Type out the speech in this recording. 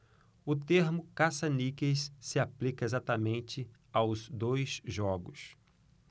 o termo caça-níqueis se aplica exatamente aos dois jogos